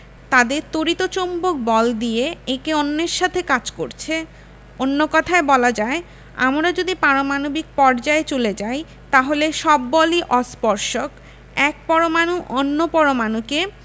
তাদের তড়িৎ চৌম্বক বল দিয়ে একে অন্যের সাথে কাজ করছে অন্য কথায় বলা যায় আমরা যদি পারমাণবিক পর্যায়ে চলে যাই তাহলে সব বলই অস্পর্শক এক পরমাণু অন্য পরমাণুকে